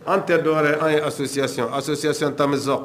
An tɛ dɔwɛrɛ an ye azcyasi acsɛsɛ 1misa